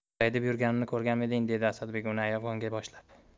daydib yurganimni ko'rganmiding dedi asadbek uni ayvonga boshlab